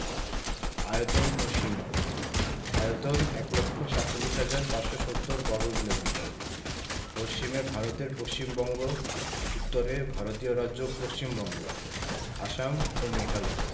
আয়তন ও সীমাঃ আয়তন ১লক্ষ ৪৭হাজার ৫৭০বর্গকিলোমিটার পশ্চিমে ভারতের পশ্চিমবঙ্গ উত্তরে ভারতীয় রাজ্য পশ্চিমবঙ্গ আসাম ও মেঘালয়